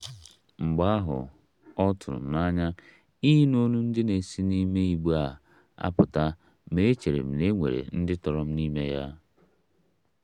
Mgbe ahụ, ọ tụrụ m n'anya ịnụ olu ndị na-esi n'ime "igbe" a apụta ma echere m na e nwere ndị tọrọ n'ime ya.